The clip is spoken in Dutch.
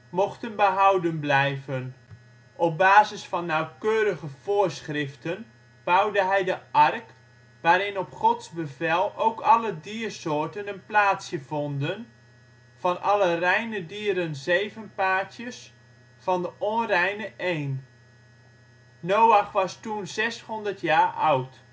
mochten behouden blijven. Op basis van nauwkeurige voorschriften bouwde hij de ark, waarin op Gods bevel ook alle diersoorten een plaatsje vonden (van alle reine dieren zeven paartjes, van de onreine één). Noach was toen 600 jaar oud